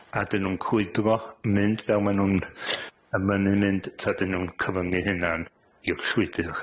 a ydyn nw'n crwydro, mynd fel mae nw'n yn mynnu mynd, ta 'dyn nw'n cyfyngu 'u hunan i'r llwybyr?